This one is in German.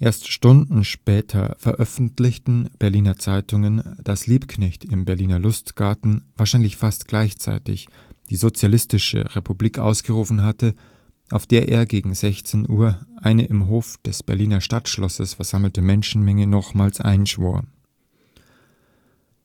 Erst Stunden später veröffentlichten Berliner Zeitungen, dass Liebknecht im Berliner Lustgarten – wahrscheinlich fast gleichzeitig – die sozialistische Republik ausgerufen hatte, auf die er gegen 16 Uhr eine im Hof des Berliner Stadtschlosses versammelte Menschenmenge nochmals einschwor: